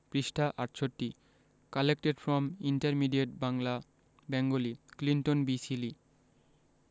পৃষ্ঠা ৬৮ collected from intermediate Bangla Bengali Clinton B Seely